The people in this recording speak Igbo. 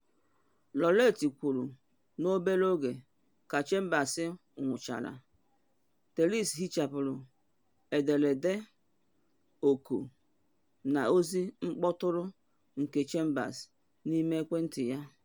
Rowlett kwuru n’obere oge ka Chambers nwụchara, Tellis hichapụrụ ederede, oku na ozi mkpọtụrụ nke Chambers n’ime ekwentị ya.